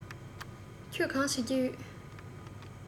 ཁྱོད གང བྱེད ཀྱི ཡོད